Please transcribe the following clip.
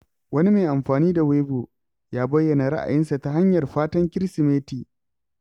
Wani mai amfani da Weibo ya bayyana ra'ayinsa ta hanyar fatan Kirsimeti: